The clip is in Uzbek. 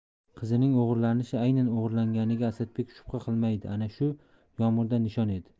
qizining o'g'irlanishi aynan o'g'irlanganiga asadbek shubha qilmaydi ana shu yomg'irdan nishon edi